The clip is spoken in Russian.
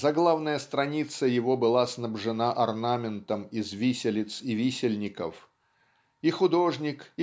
заглавная страница его была снабжена орнаментом из виселиц и висельников. И художник